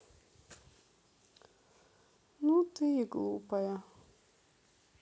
ну ты и глупая